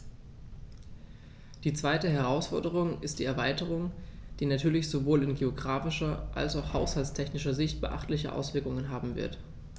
Die zweite Herausforderung ist die Erweiterung, die natürlich sowohl in geographischer als auch haushaltstechnischer Sicht beachtliche Auswirkungen haben wird.